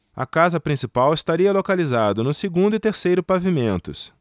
a casa principal estaria localizada no segundo e terceiro pavimentos